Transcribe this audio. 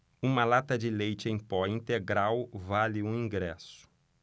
uma lata de leite em pó integral vale um ingresso